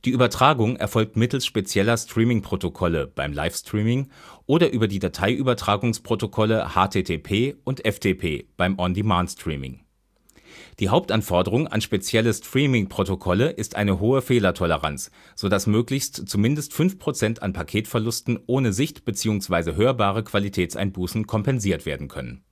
Übertragung erfolgt mittels spezieller Streaming-Protokolle (Live-Streaming) oder über die Dateiübertragungs-Protokolle HTTP und FTP (On-Demand-Streaming). Die Hauptanforderung an spezielle Streaming-Protokolle ist eine hohe Fehlertoleranz, so dass möglichst zumindest fünf Prozent an Paketverlusten ohne sicht - beziehungsweise hörbare Qualitätseinbußen kompensiert werden können